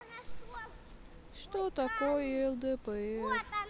что такое лдпр